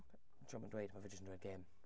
Dio'm yn dweud, mae fe jyst yn dweud gêm.